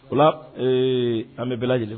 O an bɛ bɛ lajɛlen